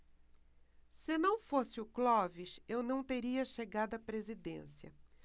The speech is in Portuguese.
se não fosse o clóvis eu não teria chegado à presidência